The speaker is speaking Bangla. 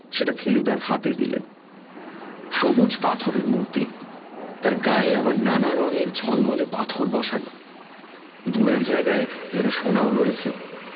সেটা ফেলুদার হাতে দিলেন সবুজ পাথরের মূর্তি তার গায়ে আবার নানা রঙের ঝলমলে পাথর বসানো দু এক জায়গায় যেন সোনাও রয়েছে